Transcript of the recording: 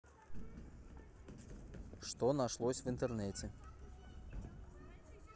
что нашлось в интернете